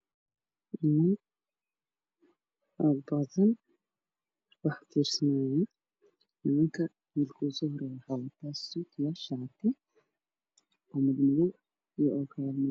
Waxaa ii muuqda niman fara badan waxayna fiirinayaan qofka la hadlaya qaar waxa ay wataa ookiyaalo gadaalna waxaa ka xiga buluug ah oo ay wax ku qoran yihiin